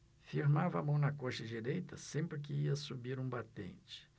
firmava a mão na coxa direita sempre que ia subir um batente